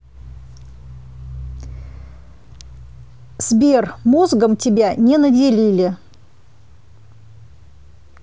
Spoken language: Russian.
сбер мозгом тебя не наделили